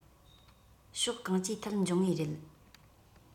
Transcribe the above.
ཕྱོགས གང ཅིའི ཐད འབྱུང ངེས རེད